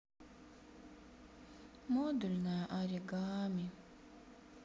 модульное оригами